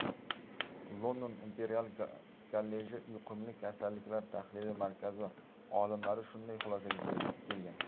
london imperial kolleji yuqumli kasalliklar tahlili markazi olimlari shunday xulosaga kelgan